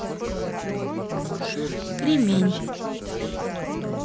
кремень